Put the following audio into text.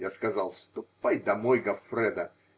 Я сказал: -- Ступай домой, Гоффредо.